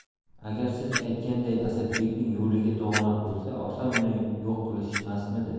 agar siz aytganday asadbekning yo'liga to'g'anoq bo'lsa osongina yo'q qilishmasmidi